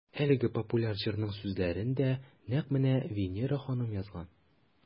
Әлеге популяр җырның сүзләрен дә нәкъ менә Винера ханым язган.